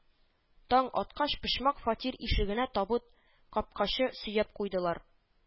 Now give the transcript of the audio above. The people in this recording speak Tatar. Таң аткач, почмак фатир ишегенә табут капкачы сөяп куйдылар